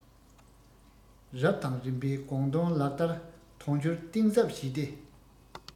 རབ དང རིམ པའི དགོངས དོན ལག བསྟར དོན འཁྱོལ གཏིང ཟབ བྱས ཏེ